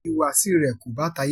Ìhùwàsíi rẹ̀ kò bá tayé mu.